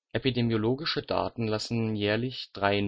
Epidemiologische Daten lassen jährlich drei